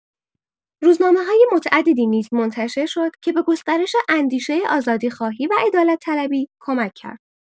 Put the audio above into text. روزنامه‌های متعددی نیز منتشر شد که به گسترش اندیشه آزادی‌خواهی و عدالت‌طلبی کمک کرد.